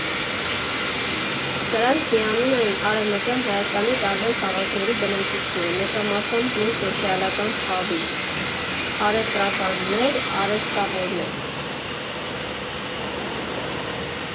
Սրանց միանում են Արևմտյան Հայաստանի տարբեր քաղաքների բնակիչներ՝ մեծամասամբ նույն սոցիալական խավի՝ առևտրականներ, արհեստավորներ։